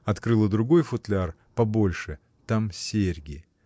Открыла другой футляр побольше — там серьги.